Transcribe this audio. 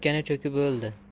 cho'kkani cho'kib o'ldi